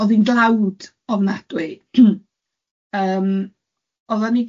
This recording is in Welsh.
Odd hi'n dlawd ofnadwy , odda ni di